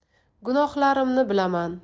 gunohlarimni bilaman